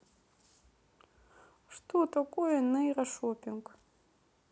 что такое нейрошопинг